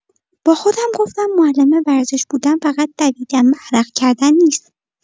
با خودم گفتم معلم ورزش بودن فقط دویدن و عرق کردن نیست.